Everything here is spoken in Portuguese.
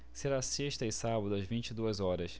será sexta e sábado às vinte e duas horas